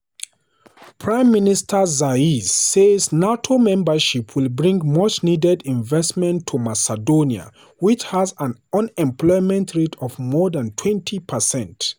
Prime Minister Zaev says NATO membership will bring much needed investment to Macedonia, which has an unemployment rate of more than 20 percent.